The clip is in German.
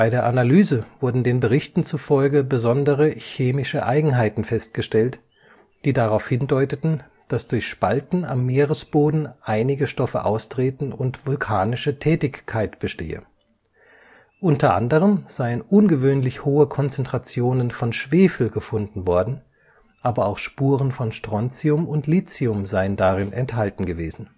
der Analyse wurden den Berichten zufolge besondere chemische Eigenheiten festgestellt, die darauf hindeuteten, dass durch Spalten am Meeresboden einige Stoffe austreten und vulkanische Tätigkeit bestehe. Unter anderem seien ungewöhnlich hohe Konzentrationen von Schwefel gefunden worden, aber auch Spuren von Strontium und Lithium seien darin enthalten gewesen